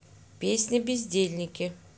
песня бездельники